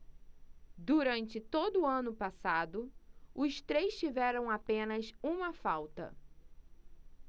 durante todo o ano passado os três tiveram apenas uma falta